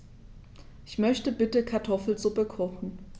Ich möchte bitte Kartoffelsuppe kochen.